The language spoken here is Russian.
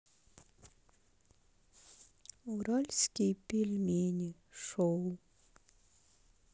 уральские пельмени шоу